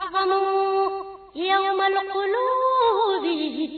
San yoba